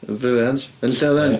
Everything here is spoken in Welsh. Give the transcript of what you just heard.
Brilliant. Yn lle oedd hyn?